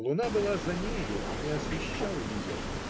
Луна была за нею и не освещала ее